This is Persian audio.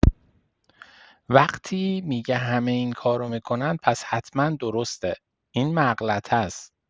وقتی می‌گه همه این کارو می‌کنن پس حتما درسته، این مغلطه‌ست.